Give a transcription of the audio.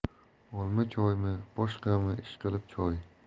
olma choymi boshqami ishqilib choy